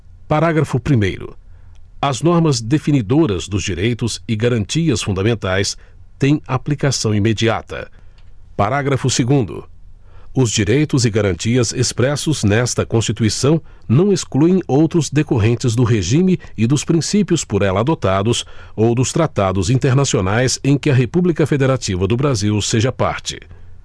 parágrafo primeiro as normas definidoras dos direitos e garantias fundamentais têm aplicação imediata parágrafo segundo os direitos e garantias expressos nesta constituição não excluem outros decorrentes do regime e dos princípios por ela adotados ou dos tratados internacionais em que a república federativa do brasil seja parte